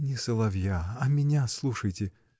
— Не соловья, а меня слушайте!